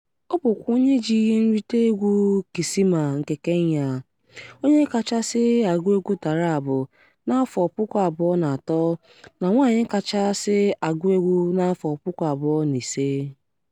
Ọ bụkwa onye ji ihe Nrite Egwu Kisima nke Kenya: Onye Kachasị Agụegwu Taraab na 2003 na Nwaanyị Kachasị Agụegwu na 2005.